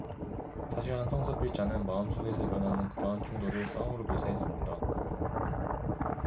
사실 한 성서 필자는 마음속에서 일어나는 그러한 충돌을 싸움으로 묘사했습니다